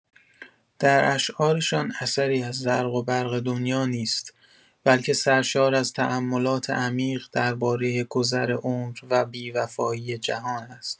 در اشعارشان اثری از زرق و برق دنیا نیست، بلکه سرشار از تاملات عمیق درباره گذر عمر و بی‌وفایی جهان است.